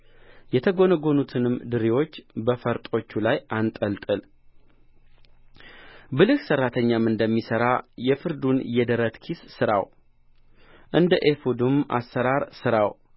የተጐነጐኑትንም ድሪዎች በፈርጦቹ ላይ አንጠልጥል ብልህ ሠራተኛም እንደሚሠራ የፍርዱን የደረት ኪስ ሥራው እንደ ኤፉዱም አሠራር ሥራው